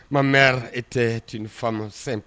Ma mɛn e tɛ fasen